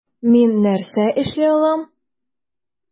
Мин нәрсә эшли алам?